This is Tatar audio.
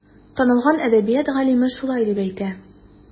Танылган әдәбият галиме шулай дип әйтә.